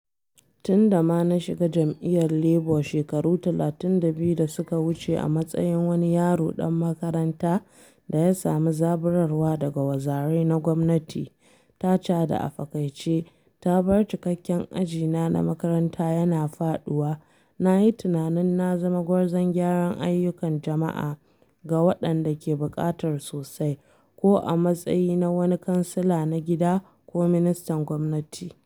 Tun da ma na shiga jam’iyyar Labour shekaru 32 da suka wuce a matsayin wani yaro dan makaranta, da ya sami zaburarwa daga wazarai na gwamnatin Thatcher da a fakaice ta bar cikekken ajina na makaranta yana faɗuwa, na yi tunanin na zama gwarzon gyara ayyukan jama’a ga waɗanda ke buƙatar sosai - ko a matsayi na wani kansila na gida ko ministan gwamnati.